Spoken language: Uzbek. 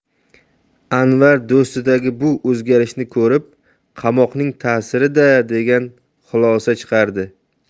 anvar do'stidagi bu o'zgarishni ko'rib qamoqning ta'siri da degan xulosa chiqardi